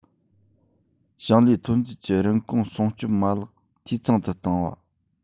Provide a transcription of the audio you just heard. ཞིང ལས ཐོན རྫས ཀྱི རིན གོང སྲུང སྐྱོང ལམ ལུགས འཐུས ཚང དུ གཏོང བ